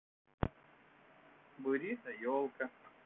burito елка